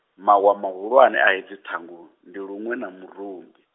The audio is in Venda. mawa mahulwane a hedzi ṱhangu, ndi luṅwe na murumbi.